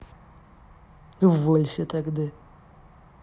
уволься тогда